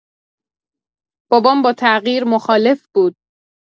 بابام با تغییر مخالف بود.